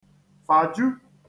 fàju